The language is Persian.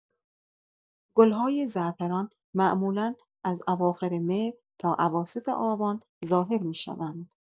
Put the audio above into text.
گل‌های زعفران معمولا از اواخر مهر تا اواسط آبان ظاهر می‌شوند.